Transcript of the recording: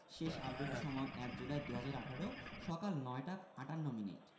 শেষ আপডেটের সময় ১ জুলাই ২০১৮ সকাল ৯টা ৫৮মিনিট